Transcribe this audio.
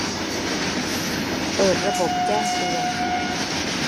เปิดระบบแจ้งเตือน